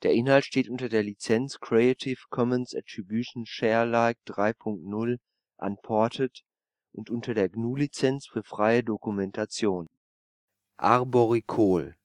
Inhalt steht unter der Lizenz Creative Commons Attribution Share Alike 3 Punkt 0 Unported und unter der GNU Lizenz für freie Dokumentation. Siamang als typischer arboricoler Affe Als arboricol